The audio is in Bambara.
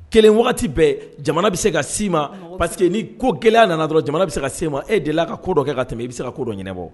Kelen bɛɛ jamana bɛ se ka se ma parceseke que ni ko gɛlɛ nana dɔrɔn jamana bɛ se ka se ma e deli a ka ko dɔ kɛ ka tɛmɛ i bɛ se ka ko dɔ ɲɛnabɔ